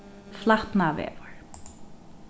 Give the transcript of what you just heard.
flatnavegur